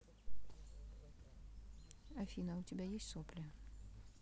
афина у тебя есть сопли